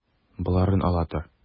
Боларын ала тор.